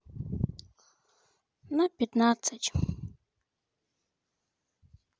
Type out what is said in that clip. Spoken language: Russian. на пятнадцать